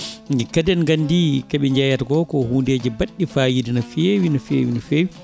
kadi en gandi koɓe jeeyata ko ko hundeji baɗɗi fayida no fewi no fewi no fewi